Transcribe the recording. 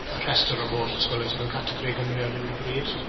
y rhestr o'r holl ysgolion sy mewn categori Cymru ar unryw bryd.